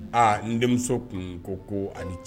Aa n denmuso kun ko ko ani c